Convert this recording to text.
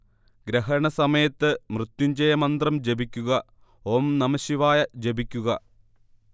ഗ്രഹണ സമയത്ത് മൃത്യുഞ്ജയ മന്ത്രം ജപിക്കുക, ഓം നമഃശിവായ ജപിക്കുക